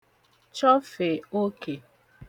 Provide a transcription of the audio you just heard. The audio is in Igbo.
chofè okè